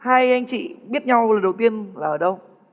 hai anh chị biết nhau lần đầu tiên là ở đâu